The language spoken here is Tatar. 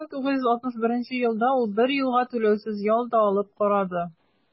1961 елда ул бер елга түләүсез ял да алып карады.